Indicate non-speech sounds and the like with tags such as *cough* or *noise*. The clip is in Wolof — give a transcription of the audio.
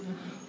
*hesitation* *hesitation*